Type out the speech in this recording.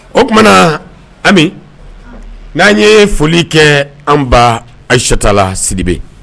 O tuma na ami n'an ye foli kɛ an ba ayictala sibi